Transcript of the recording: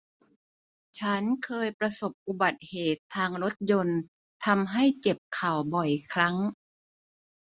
ฉันเคยประสบอุบัติเหตุทางรถยนต์ทำให้เจ็บเข่าบ่อยครั้ง